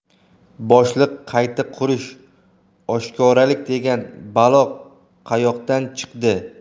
boshliq qayta qurish oshkoralik degan balo qayoqdan chiqdi